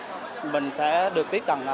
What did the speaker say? mình sẽ được tiếp cận